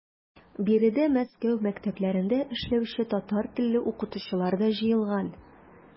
Биредә Мәскәү мәктәпләрендә эшләүче татар телле укытучылар да җыелган.